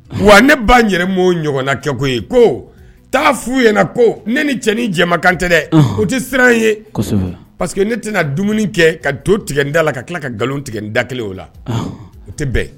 Wa ne ba yɛrɛ m'o ɲɔgɔnna kɛ koyi ko taa f' u ɲɛna ko ne ni cɛnin jɛmakan tɛ dɛ, unhun, o tɛ siran ye, kosɛbɛ, parce que ne tɛna dumuni kɛ ka to tigɛ n da la ka tila ka nkalon tigɛ n da kelen o la, unhun, o tɛ bɛn